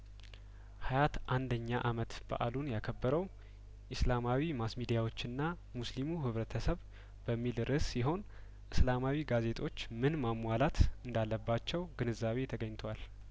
ሀያት አንደኛ አመት በአሉን ያከበረው ኢስላማዊ ማስ ሚዳያዎችና ሙስሊሙ ህብረተሰብ በሚል ርእስ ሲሆን እስላማዊ ጋዜጦችምን ሟሟላት እንዳለባቸው ግንዛቤ ተገኝቷል